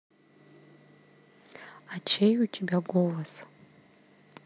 а чей у тебя голос